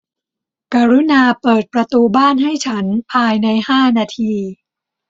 กรุณาเปิดประตูบ้านให้ฉันภายในห้านาที